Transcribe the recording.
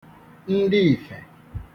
ndị ìfè